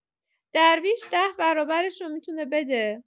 درویش ده برابرشو می‌تونه بده.